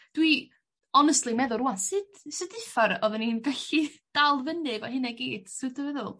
Dwi honestly meddwl rwan sut sut uffar oddan ni'n gallu dal fynny 'fo hynna i gyd so dwi feddwl